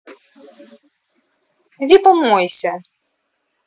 иди помойся